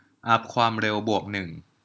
อัพความเร็วบวกหนึ่ง